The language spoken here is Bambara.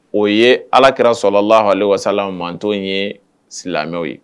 O ye alaki sɔrɔ lahali wasala manto ye silamɛw ye